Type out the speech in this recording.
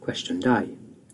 Cwestiwn dau.